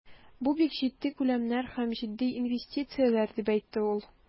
Бу бик җитди күләмнәр һәм җитди инвестицияләр, дип әйтте ул.